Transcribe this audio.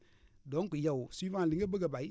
donc yow suivant li nga bëgg a béy